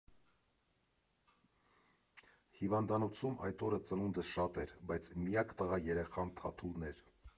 Հիվանդանոցում այդ օրը ծնունդը շատ էր, բայց միակ տղա երեխան Թաթուլն էր։